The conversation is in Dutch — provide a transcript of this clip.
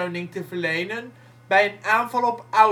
te verlenen bij een aanval op Auschwitz